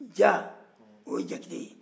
ja o ye jakite ye